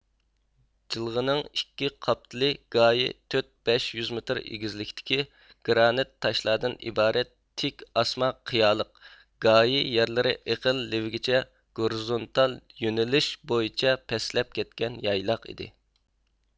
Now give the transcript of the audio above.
جىلغىنىڭ ئىككى قاپتىلى گاھى تۆت بەش يۈز مېتىر ئېگىزلىكتىكى گرانت تاشلاردىن ئىبارەت تىك ئاسما قىيالىق گاھى يەرلىرى ئېقىن لېۋىگىچە گورزۇنتال يۆنىلىش بويىچە پەسلەپ كەتكەن يايلاق ئىدى